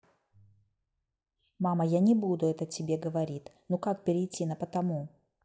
мама я не буду это тебе говорит ну как перейти на потому